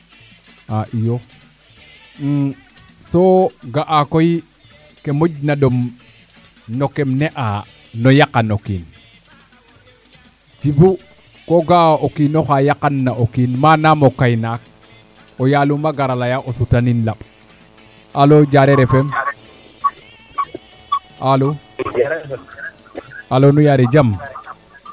a iyo so ga'a koy ko moƴ na ɗom no keem ne'a no yaqano kiin cigu ko ga'a o kiinoxa yaqana o kiin manam o kay naak o yaalum a gara leya o suta nin laɓ alo Diarer FM Alo alo nu yaare Jam